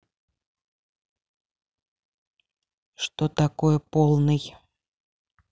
что такое полный